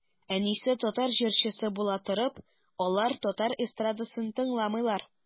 Әнисе татар җырчысы була торып, алар татар эстрадасын тыңламыйлар.